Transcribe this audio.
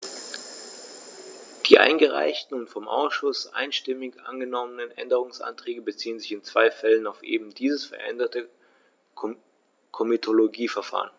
Die eingereichten und vom Ausschuss einstimmig angenommenen Änderungsanträge beziehen sich in zwei Fällen auf eben dieses veränderte Komitologieverfahren.